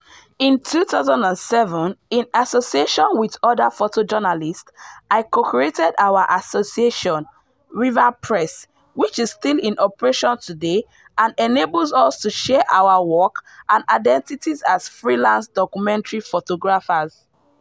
In 2007, in association with other photojournalists, I co-created our association, RIVA PRESS, which is still in operation today and enables us to share our work and identities as freelance documentary photographers.